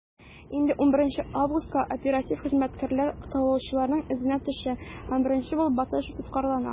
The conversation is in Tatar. Инде 11 августка оператив хезмәткәрләр талаучыларның эзенә төшә һәм беренче булып Баташев тоткарлана.